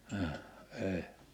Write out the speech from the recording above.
ah ei